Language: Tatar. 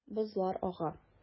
Бозлар ага.